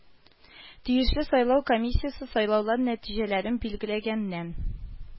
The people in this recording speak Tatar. Тиешле сайлау комиссиясе сайлаулар нәтиҗәләрен билгеләгәннән